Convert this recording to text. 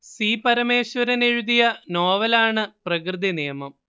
C Parameswaran എഴുതിയ നോവലാണ് പ്രകൃതിനിയമം